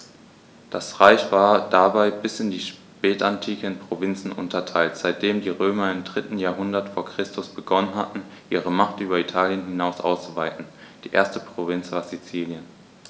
Das Reich war dabei bis in die Spätantike in Provinzen unterteilt, seitdem die Römer im 3. Jahrhundert vor Christus begonnen hatten, ihre Macht über Italien hinaus auszuweiten (die erste Provinz war Sizilien).